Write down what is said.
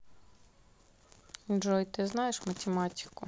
джой ты знаешь математику